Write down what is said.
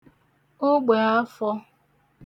ogbè afọ̄